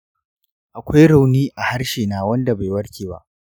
akwai rauni a harshe na wanda bai warke ba.